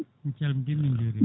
min calmitima min jurima